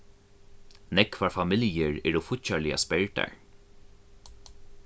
nógvar familjur eru fíggjarliga sperdar